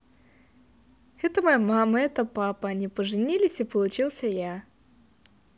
это моя мама это папа они поженились и получился я